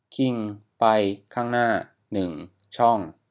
คิงไปข้างหน้าหนึ่งช่อง